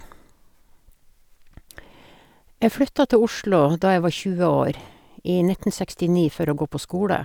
Jeg flytta til Oslo da jeg var tjue år, i nitten sekstini, for å gå på skole.